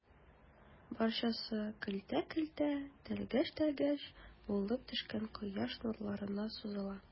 Барчасы көлтә-көлтә, тәлгәш-тәлгәш булып төшкән кояш нурларына сузыла.